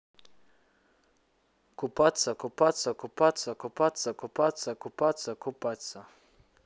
купаться купаться купаться купаться купаться купаться купаться